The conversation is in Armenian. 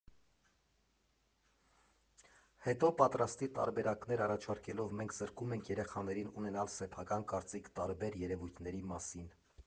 Հետո, պատրաստի տարբերակներ առաջարկելով մենք զրկում ենք երեխաներին ունենալ սեփական կարծիք տարբեր երևույթների մասին։